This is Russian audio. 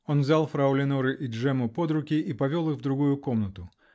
Он взял фрау Леноре и Джемму под руки и повел их в другую комнату.